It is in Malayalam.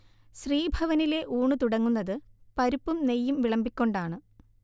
ശ്രീഭവനിലെ ഊണു തുടങ്ങുന്നതു പരിപ്പും നെയ്യും വിളമ്പിക്കൊണ്ടാണ്